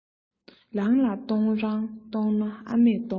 ལང ལ གཏོང རང གཏོང ན ཨ མས གཏོང